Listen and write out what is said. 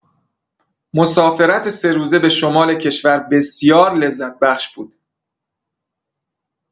مسافرت سه‌روزه به شمال کشور بسیار لذت‌بخش بود.